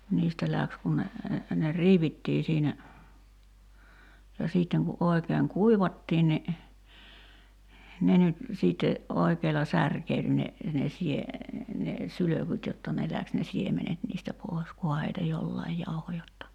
niistä lähti kun ne ne riivittiin siinä ja sitten kun oikein kuivattiin niin ne nyt sitten oikealla särkeili ne ne - ne sylkyt jotta ne lähti ne siemenet niistä pois kunhan heitä jollakin jauhoi jotta